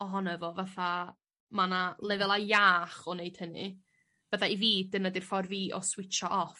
ohono fo fatha ma' 'na lefela' iach o neud hynny. Bydda i fi defnyddio'r ffor fi o switsio off